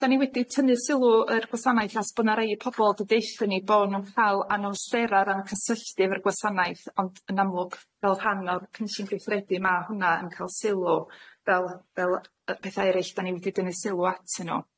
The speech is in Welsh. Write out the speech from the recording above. Da ni wedi tynnu sylw i'r gwasanaeth achos bo' 'na rei pobol di deutho ni bo' nw'n ca'l anawsterar a'n cysylltu efo'r gwasanaeth ond yn amlwg fel rhan o'r cynllun gweithredu ma' hwnna yn ca'l sylw fel fel y pethau eryll d ni wedi tynnu sylw atyn nw.